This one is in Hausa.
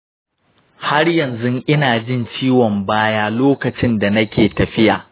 har yanzu ina jin ciwon baya lokacin da nake tafiya.